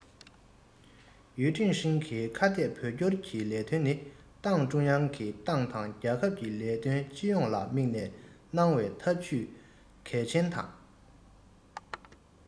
ཡུས ཀྲེང ཧྲེང གིས ཁ གཏད བོད སྐྱོར གྱི ལས དོན ནི ཏང ཀྲུང དབྱང གིས ཏང དང རྒྱལ ཁབ ཀྱི ལས དོན སྤྱི ཡོངས ལ དམིགས ནས གནང བའི འཐབ ཇུས གལ ཆེན དང